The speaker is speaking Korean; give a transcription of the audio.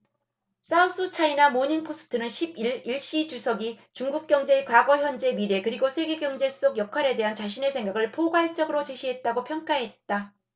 사우스차이나모닝포스트는 십 일 일 시 주석이 중국 경제의 과거 현재 미래 그리고 세계경제 속 역할에 대한 자신의 생각을 포괄적으로 제시했다고 평가했다